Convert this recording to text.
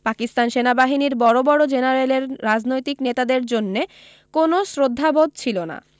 পাকিস্তান সেনাবাহিনীর বড়ো বড়ো জেনারেলের রাজনৈতিক নেতাদের জন্যে কোনো শ্রদ্ধাবোধ ছিল না